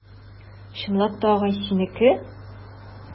Чынлап та, агай, синеке?